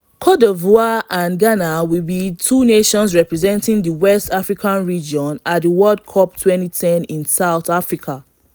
Côte d'Ivoire and Ghana will be the two nations representing the West African region at the World Cup 2010 in South Africa.